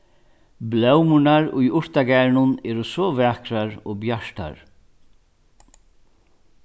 blómurnar í urtagarðinum eru so vakrar og bjartar